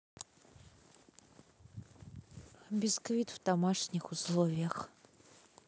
бисквит в домашних условиях